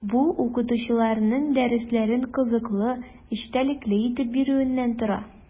Бу – укытучыларның дәресләрен кызыклы, эчтәлекле итеп бирүеннән тора.